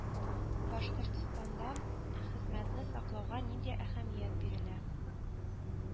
Башкортстанда хезмәтне саклауга нинди әһәмият бирелә